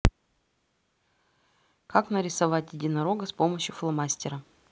как нарисовать единорога с помощью фломастера